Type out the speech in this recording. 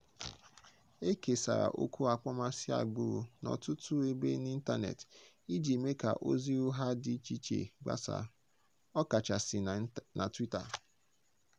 E kesara okwu akpọmasị agbụrụ n'ọtụtụ ebe n'ịntaneetị iji mee ka ozi ụgha dị icheiche gbasaa, ọkachasị na Twitter.